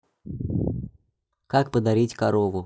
как подарить корову